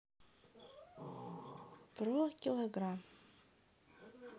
про килограмм